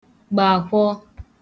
gbàkwhọ